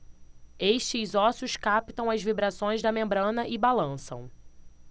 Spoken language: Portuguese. estes ossos captam as vibrações da membrana e balançam